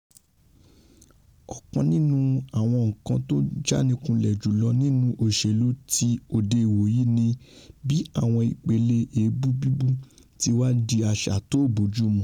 Ọ̀kan nínú àwọn nǹkan tó ń jánikulẹ̀ jùlọ nínú òṣèlú ti òde-ìwòyí ni bí àwọn ipele èèbù bíbú ti wá di àṣà tó bójúmu.